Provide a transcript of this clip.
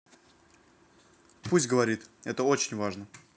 пусть говорит это очень важно